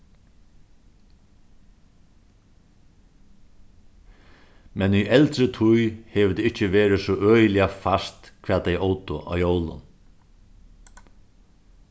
men í eldri tíð hevur tað ikki verið so øgiliga fast hvat tey ótu á jólum